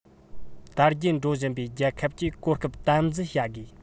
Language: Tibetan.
དར རྒྱས འགྲོ བཞིན པའི རྒྱལ ཁབ ཀྱིས གོ སྐབས དམ འཛིན བྱ དགོས